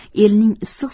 elning issiq